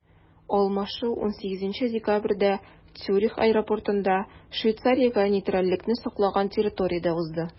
Алмашу 18 декабрьдә Цюрих аэропортында, Швейцариягә нейтральлекне саклаган территориядә узды.